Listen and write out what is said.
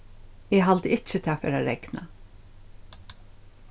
eg haldi ikki tað fer at regna